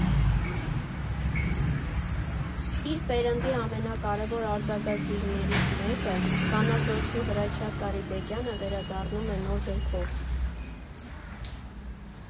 Իր սերնդի ամենակարևոր արձակագիրներից մեկը, վանաձորցի Հրաչյա Սարիբեկյանը վերադառնում է նոր գրքով։